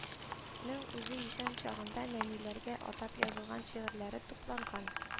Нең үзе исән чагында нәниләргә атап язылган шигырьләре тупланган